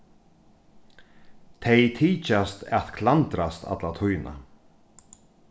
tey tykjast at klandrast alla tíðina